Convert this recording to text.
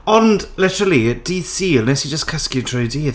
Ond, literally, dydd Sul wnes i jyst cysgu trwy'r dydd.